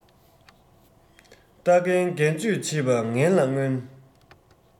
རྟ རྒན སྒལ བཅོས བྱེད པ ངན ལ མངོན